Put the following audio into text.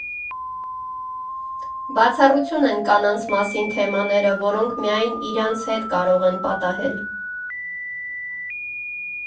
Բացառություն են կանանց մասին թեմաները, որոնք միայն իրենց հետ կարող են պատահել։